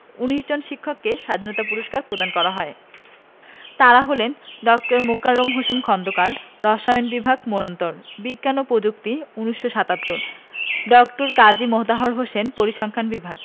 ১৯ জন শিক্ষককে স্বাধীনতা পুরস্কার প্রদান করা হয় তাঁরা হলেন ড. মোকাররম হোসেন খন্দকার রসায়ন বিভাগ মোরন্তর বিজ্ঞান ও প্রযুক্তি ১৯৭৭ ড. কাজী মোতাহার হোসেন পরিসংখ্যান বিভাগ